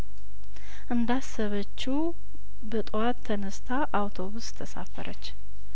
እንዳሰ በችው በጠዋት ተነስታ አውቶብስ ተሳፈረች